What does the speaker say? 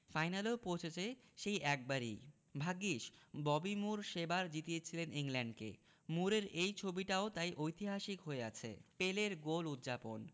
ফাইনালেও পৌঁছেছে সেই একবারই ভাগ্যিস ববি মুর সেবার জিতিয়েছিলেন ইংল্যান্ডকে মুরের এই ছবিটাও তাই ঐতিহাসিক হয়ে আছে পেলের গোল উদ্যাপন